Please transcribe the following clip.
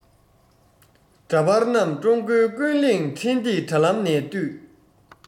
འདྲ པར རྣམས གངས ལྗོངས ཀུན གླེང འཕྲིན སྟེགས དྲ ལམ ནས བཏུས